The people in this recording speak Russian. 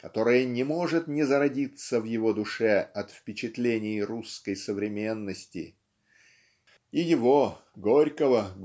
которая не может не зародиться в его душе от впечатлений русской современности. И его Горького